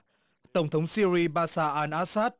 tổng thống xia ri ba sa an át sát